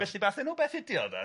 Felly fath 'yn o beth ydi o de.